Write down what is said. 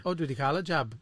Oh, dwi 'di cael y jab.